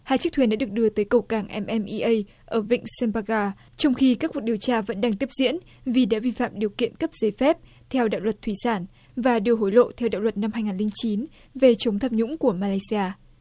hai chiếc thuyền đã được đưa tới cầu cảng em em i ây ở vịnh san pa ga trong khi các cuộc điều tra vẫn đang tiếp diễn vì đã vi phạm điều kiện cấp giấy phép theo đạo luật thủy sản và đưa hối lộ theo đạo luật năm hai ngàn linh chín về chống tham nhũng của ma lay si a